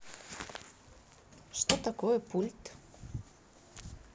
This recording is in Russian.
что такое пульт